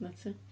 Nuts ia.